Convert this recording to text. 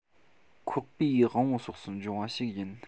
ཁོག པའི དབང བོ སོགས སུ འབྱུང བ ཞིག ཡིན